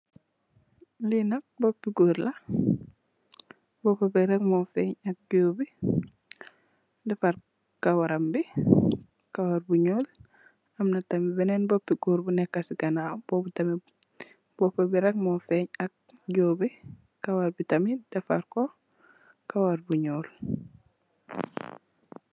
Li bopu Goor la bopu bi rek mo fenge ak diw bi mugi defar kawaram bi nak am bénen bopi Goor bu neka ci ganaw bpubi rek mo fenge ak diw bi kawar bi tamit dafar ko kawar bu njul